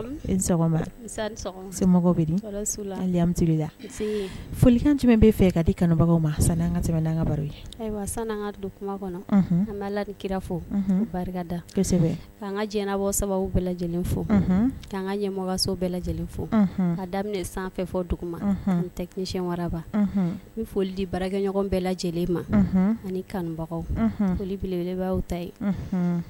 Kanja bɛ fɛ ka di kanubagaw ayiwa kɔnɔ an ka la kira fɔ' ka jɛnɛbɔ sababu bɛɛ lajɛlen fɔ k' ka ɲɛmɔgɔso bɛɛ lajɛlen fɔ ka daminɛ san fɔ dugu ma n tɛyɛn wara n foli di barakɛɲɔgɔn bɛɛ lajɛlen ma ani kanubagaw folieleele ta